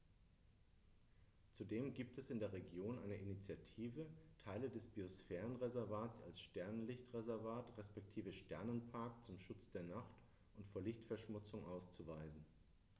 Zudem gibt es in der Region eine Initiative, Teile des Biosphärenreservats als Sternenlicht-Reservat respektive Sternenpark zum Schutz der Nacht und vor Lichtverschmutzung auszuweisen.